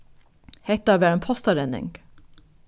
hetta var ein postarenning